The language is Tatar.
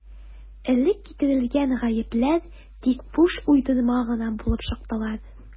Элек китерелгән «гаепләр» тик буш уйдырма гына булып чыктылар.